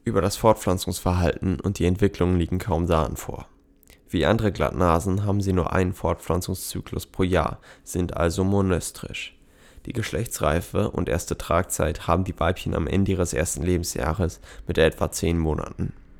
Über das Fortpflanzungsverhalten und die Entwicklung liegen kaum Daten vor. Wie andere Glattnasen haben sie nur einen Fortpflanzungszyklus pro Jahr, sind also monöstrisch. Die Geschlechtsreife und erste Tragzeit haben die Weibchen am Ende ihres ersten Lebensjahres mit etwa zehn Monaten